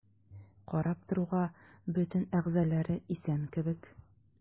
Карап торуга бөтен әгъзалары исән кебек.